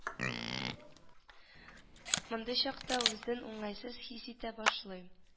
Мондый чакта үзен уңайсыз хис итә башлый